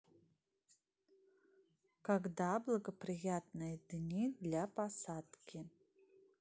когда благоприятные дни для посадки